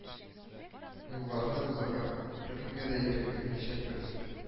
Юлларны бозарга беркемгә дә ирек бирмәячәкбез”